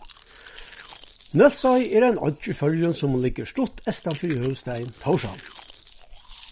nólsoy er ein oyggj í føroyum sum liggur stutt eystan fyri høvuðsstaðin tórshavn